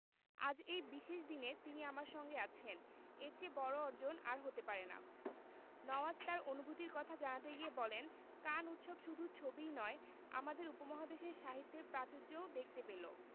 আজ এই বিশেষ দিনে তিনি আমার সঙ্গে আছেন এর চেয়ে বড় অর্জন আর হতে পারে না নওয়াজ তার অনুভূতির কথা জানাতে গিয়ে বলেন কান উৎসব শুধু ছবিই নয় আমাদের উপমহাদেশের সাহিত্যের প্রাচুর্যও দেখতে পেল